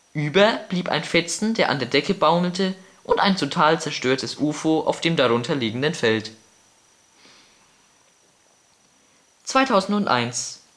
Über blieb ein Fetzen der an der Decke baumelte und ein total zerstörtes Ufo auf dem darunter liegendem Feld. 2001